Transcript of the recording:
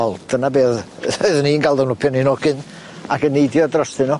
Wel dyna be o'dd oddwn i'n galw n'w pun o'n i'n ogyn ac yn neidio drostyn n'w.